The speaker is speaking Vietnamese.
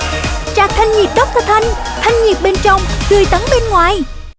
trà thanh nhiệt đốc tơ thanh thanh nhiệt bên trong tươi tắn bên ngoài